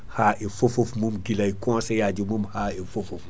ha e fofoof mum guila e conseil aji mum ha e fofoof